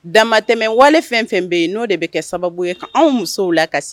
Damatɛmɛ wale fɛn o fɛn bɛ yen, n'o de bɛ kɛ sababu ye k'anw musow lakasi